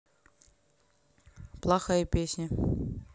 плохая песня